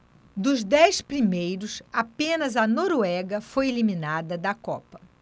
dos dez primeiros apenas a noruega foi eliminada da copa